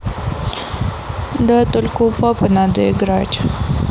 да только у папы надо играть